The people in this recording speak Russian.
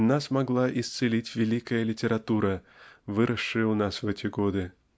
нас могла исцелить великая литература выросшая у нас в эти годы.